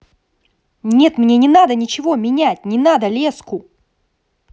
нет мне не надо ничего менять не надо леску